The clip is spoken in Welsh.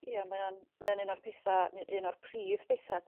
Ie mae o'n mae o'n un o'r petha' ne' un o'r prif betha'